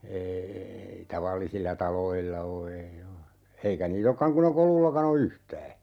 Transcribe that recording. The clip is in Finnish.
ei ei tavallisilla taloilla ole ei ole eikä niitä olekaan kun ei Kolullakaan ole yhtään